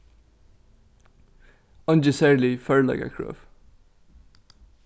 eingi serlig førleikakrøv